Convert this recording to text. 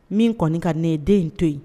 Min kɔni ka ne ye den in to yen